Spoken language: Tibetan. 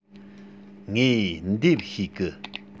ངས འདེབས ཤེས གི